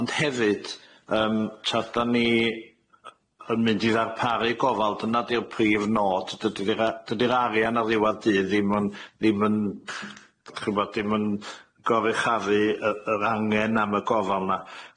Ond hefyd yym tra da ni yn mynd i ddarparu gofal dyna di'r prif nod, dydi'r a- dydi'r arian ar ddiwadd dydd ddim yn ddim yn ch'mo' dim yn goruchafu y yr angen am y gofal na.